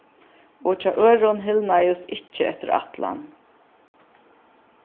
og hjá øðrum hilnaðist ikki eftir ætlan